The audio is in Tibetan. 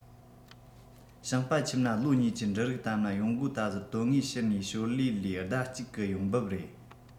ནི ཞིང པ ཁྱིམ ན ལོ གཉིས ཀྱི འབྲུ རིགས བཏབ ན ཡོང སྒོ ད གཟོད དོན དངོས ཕྱི ནས ཞོར ལས ལས ཟླ གཅིག གི ཡོང འབབ རེད